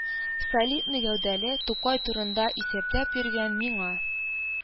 Солидный гәүдәле Тукай турында исәпләп йөргән миңа